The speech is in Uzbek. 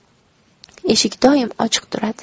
eshik doim ochiq turadi